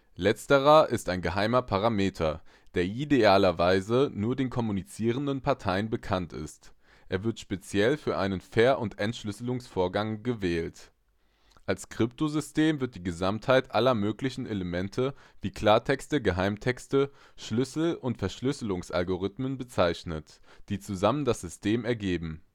Letzterer ist ein geheimer Parameter, der idealerweise nur den kommunizierenden Parteien bekannt ist, er wird speziell für einen Ver - und Entschlüsselungsvorgang gewählt. Als Kryptosystem wird die Gesamtheit aller möglichen Elemente, wie Klartexte, Geheimtexte, Schlüssel und Verschlüsselungsalgorithmen bezeichnet, die zusammen das System ergeben